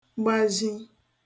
gbazhi